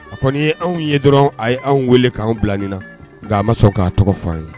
A kɔni ye anw ye dɔrɔn a ye anw wele k'an bila ɲin na nka' a ma sɔn k'a tɔgɔ fɔ ye